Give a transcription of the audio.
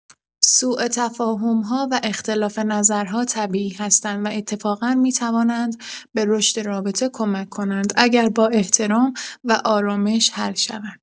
سوءتفاهم‌ها و اختلاف‌نظرها طبیعی هستند و اتفاقا می‌توانند به رشد رابطه کمک کنند، اگر با احترام و آرامش حل شوند.